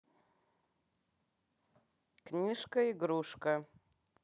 книжка игрушка